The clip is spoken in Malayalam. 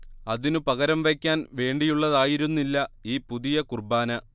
അതിനു പകരം വയ്ക്കാൻ വേണ്ടിയുള്ളതായിരുന്നില്ല ഈ പുതിയ കുർബ്ബാന